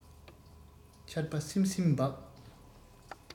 ཆར པ བསིམ བསིམ འབབས